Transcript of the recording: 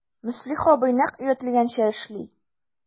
Мөслих абый нәкъ өйрәтелгәнчә эшли...